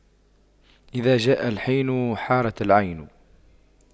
إذا جاء الحين حارت العين